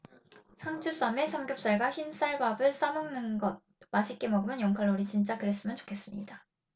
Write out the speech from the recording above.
상추쌈에 삼겹살과 흰쌀밥을 싸먹는 것 맛있게 먹으면 영 칼로리 진짜 그랬으면 좋겠습니다